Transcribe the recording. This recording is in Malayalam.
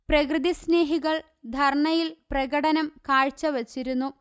പ്രകൃതിസ്നേഹികൾ ധർണയിൽ പ്രകടനം കാഴ്ച വച്ചിരുന്നു